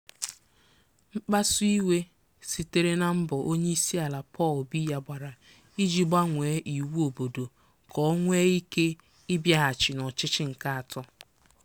Mkpasu iwu sitere na mbọ onyeisiala Paul Biya gbara iji gbanwee iwu obodo ka o nwe ike ịbịaghachi n’ọchichị nke atọ.